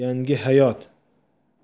yangi hayot